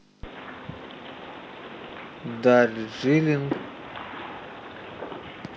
дарджилинг